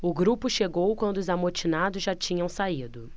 o grupo chegou quando os amotinados já tinham saído